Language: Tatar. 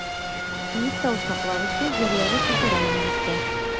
Биектау саклагычы җирләре федераль милектә.